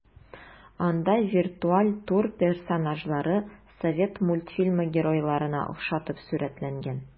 Анда виртуаль тур персонажлары совет мультфильмы геройларына охшатып сурәтләнгән.